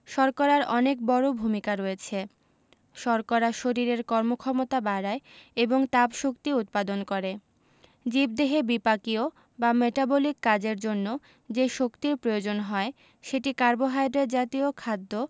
শর্করার অনেক বড় ভূমিকা রয়েছে শর্করা শরীরের কর্মক্ষমতা বাড়ায় এবং তাপশক্তি উৎপাদন করে জীবদেহে বিপাকীয় বা মেটাবলিক কাজের জন্য যে শক্তির প্রয়োজন হয় সেটি কার্বোহাইড্রেট জাতীয় খাদ্য